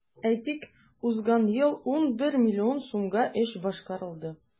Әйтик, узган ел 11 миллион сумга эш башкарылды.